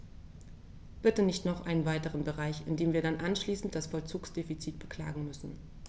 Bitte nicht noch einen weiteren Bereich, in dem wir dann anschließend das Vollzugsdefizit beklagen müssen.